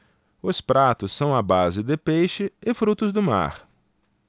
os pratos são à base de peixe e frutos do mar